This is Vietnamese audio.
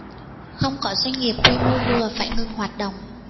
không có doanh nghiệp quy mô vừa phải ngừng hoạt động